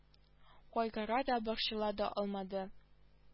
Кайгыра да борчыла да алмады